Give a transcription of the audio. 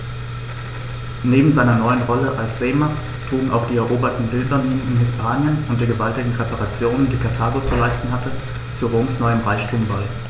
Neben seiner neuen Rolle als Seemacht trugen auch die eroberten Silberminen in Hispanien und die gewaltigen Reparationen, die Karthago zu leisten hatte, zu Roms neuem Reichtum bei.